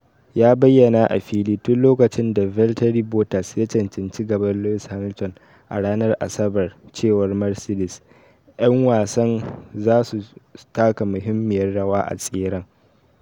Ya bayyana a fili tun lokacin da Valtteri Bottas ya cancanci gaban Lewis Hamilton a ranar Asabar cewar Mercedes '' 'yan wasan zasu taka muhimmiyar rawa a tseren.